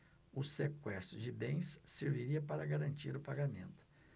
o sequestro de bens serviria para garantir o pagamento